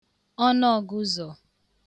ọnụọ̀gụzọ̀